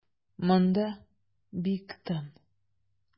Монда бик тын.